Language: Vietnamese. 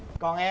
còn em